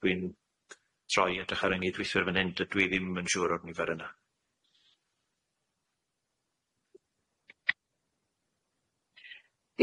dwi'n troi edrych ar yng nghydweithwr fan hyn dydw i ddim yn siŵr o'r nifer yna.